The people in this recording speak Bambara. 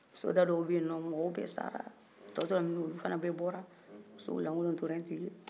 sodaw dɔw bɛ yen nɔ u mɔgɔ bɛɛ sara a tɔ tora minnu ye olu fana bɛɛ bɔra so lankolon tora yen ten